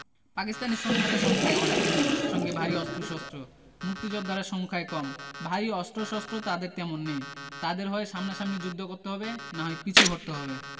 পাকিস্তানি সৈন্যরা সংখ্যায় অনেক সঙ্গে ভারী অস্ত্রশস্ত্র মুক্তিযোদ্ধারা সংখ্যায় কম ভারী অস্ত্রশস্ত্র তাঁদের তেমন নেই তাঁদের হয় সামনাসামনি যুদ্ধ করতে হবে না হয় পিছু হটতে হবে